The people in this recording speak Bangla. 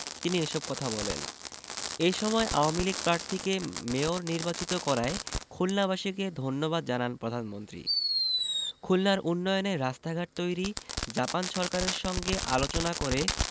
তিনি এসব কথা বলেন এ সময় আওয়ামী লীগ প্রার্থীকে মেয়র নির্বাচিত করায় খুলনাবাসীকে ধন্যবাদ জানান প্রধানমন্ত্রী খুলনার উন্নয়নে রাস্তাঘাট তৈরি জাপান সরকারের সঙ্গে আলোচনা করে